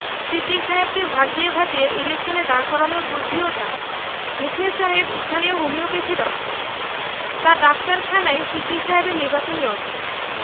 সিদ্দিক সাহেবকে ভাজিয়ে ভাজিয়ে ইলেকশনে দাঁড় করানোর বুদ্ধিও তাঁর মুখলেস সাহেব স্থানীয় হোমিওপ্যাথ ডাক্তার তাঁর ডাক্তারখানাই সিদ্দিক সাহেবের নির্বাচনী অফিস